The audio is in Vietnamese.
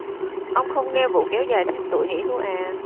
ông không nghe vụ kéo dài thêm tuổi nghỉ hưu à